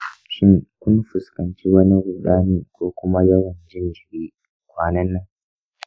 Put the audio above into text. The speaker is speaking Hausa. shin kun fuskanci wani rudani ko kuma yawan jin jiri kwanan nan?